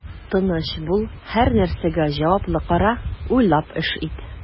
Тыныч бул, һәрнәрсәгә җаваплы кара, уйлап эш ит.